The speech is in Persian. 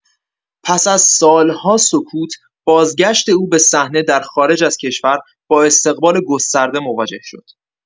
پس از سال‌ها سکوت، بازگشت او به صحنه در خارج از کشور با استقبال گسترده مواجه شد.